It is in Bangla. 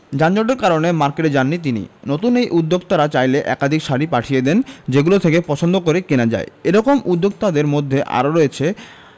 যানজটের কারণেই মার্কেটে যাননি তিনি নতুন এই উদ্যোক্তারা চাইলে একাধিক শাড়ি পাঠিয়ে দেন যেগুলো থেকে পছন্দ করে কেনা যায় এ রকম উদ্যোক্তাদের মধ্যে আরও রয়েছে